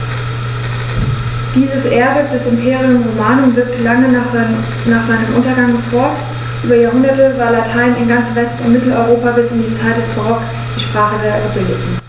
Dieses Erbe des Imperium Romanum wirkte lange nach seinem Untergang fort: Über Jahrhunderte war Latein in ganz West- und Mitteleuropa bis in die Zeit des Barock die Sprache der Gebildeten.